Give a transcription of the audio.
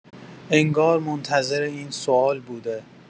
انگار منتظر این سوال بوده.